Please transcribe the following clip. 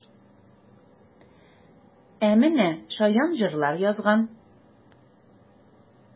Ә менә шаян җырлар язган!